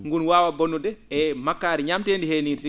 ngun waawa bonnude e makkaari ñaameteendi hee nii tigi